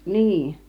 niin